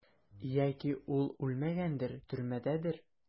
Яки ул үлмәгәндер, төрмәдәдер?